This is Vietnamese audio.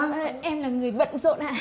em là người bận rộn ạ